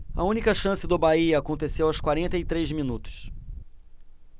a única chance do bahia aconteceu aos quarenta e três minutos